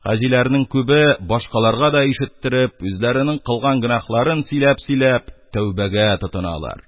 Хаҗиларның күбе, башкаларга да ишеттереп, үзләренең кылган гөнаһларын сөйләп-сөйләп тәүбәгә тотыналар.